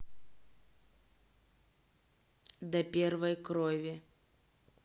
до первой крови